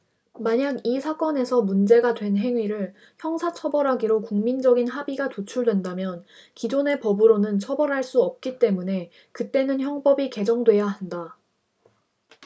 만약 이 사건에서 문제가 된 행위를 형사 처벌하기로 국민적인 합의가 도출된다면 기존의 법으로는 처벌할 수 없기 때문에 그때는 형법이 개정돼야 한다